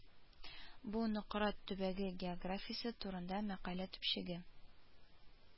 Бу Нократ төбәге географиясе турында мәкалә төпчеге